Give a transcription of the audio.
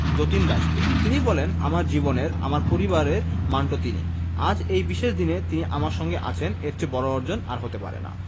যতীন দাসকে তিনি বলেন আমার জীবনের আমার পরিবারের মান্টো তিনি আজ এই বিশেষ দিনে তিনি আমার সঙ্গে আছেন এর চেয়ে বড় অর্জন আর হতে পারে না